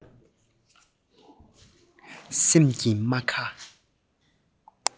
སེམས ཀྱི རྨ ཁ